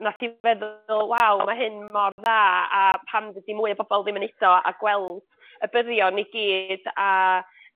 nath hi feddwl waw ma' hyn mor dda a pam dydi mwy o bobol ddim yn udo â gweld y byddion i gyd a